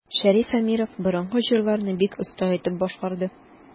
Шәриф Әмиров борынгы җырларны бик оста итеп башкарды.